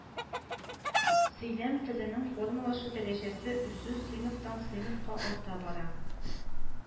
Сөйләм теленең формалашу дәрәҗәсе үсү сыйныфтан сыйныфка арта бара